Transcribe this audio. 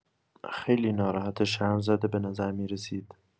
خیلی ناراحت و شرم‌زده به نظر می‌رسید!